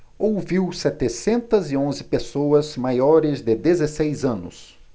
ouviu setecentos e onze pessoas maiores de dezesseis anos